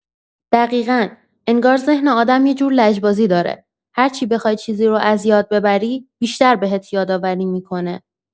دقیقا، انگار ذهن آدم یه جور لجبازی داره، هرچی بخوای چیزی رو از یاد ببری، بیشتر بهت یادآوری می‌کنه.